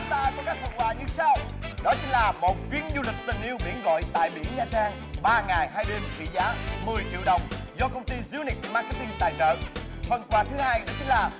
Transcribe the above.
chúng ta có các phần quà như sau đó chính là một chuyến du lịch tình yêu biển gọi tại biển nha trang ba ngày hay đêm trị giá mười triệu đồng do công ty du lịch ma kết tinh tài trợ phần quà thứ hai đó chính là